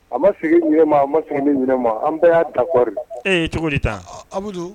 A ma seginma a ma segin ɲinin ma an bɛɛ y'a dakɔɔri e cogo ta